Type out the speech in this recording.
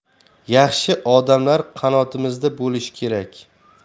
yaxshi odamlar qanotimizda bo'lishi kerak